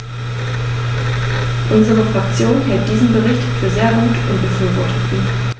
Unsere Fraktion hält diesen Bericht für sehr gut und befürwortet ihn.